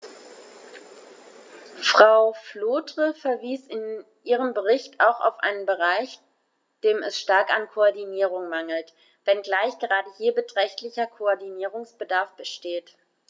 Frau Flautre verwies in ihrem Bericht auch auf einen Bereich, dem es stark an Koordinierung mangelt, wenngleich gerade hier beträchtlicher Koordinierungsbedarf besteht.